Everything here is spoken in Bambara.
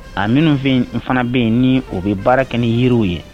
A minnu fɛ in fana bɛ yen ni o bɛ baara kɛ yiriw ye